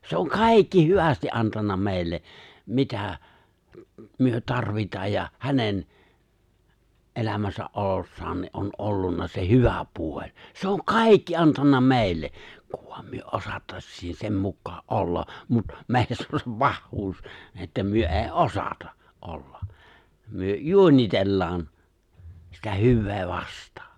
se on kaikki hyvästi antanut meille mitä me tarvitaan ja hänen elämässä olossaan niin on ollut se hyvä puoli se on kaikki antanut meille kun vain me osattaisiin sen mukaan olla mutta meissä on se pahuus että me ei osata olla me juonitellaan sitä hyvää vastaan